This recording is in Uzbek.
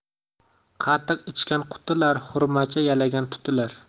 qatiq ichgan qutular xurmacha yalagan tutilar